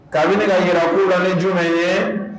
Kabini kow la ni jumɛn ye